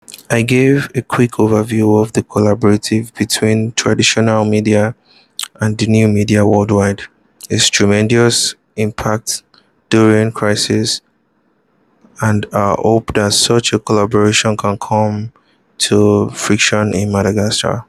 I gave a quick overview of collaboration between traditional media and new media worldwide, its tremendous impact during crises and our hope that such a collaboration can come to fruition in Madagascar.